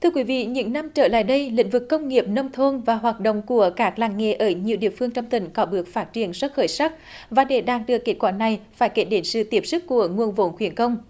thưa quý vị những năm trở lại đây lĩnh vực công nghiệp nông thôn và hoạt động của các làng nghề ở nhiều địa phương trong tỉnh có bước phát triển rất khởi sắc và để đạt được kết quả này phải kể đến sự tiếp sức của nguồn vốn khuyến công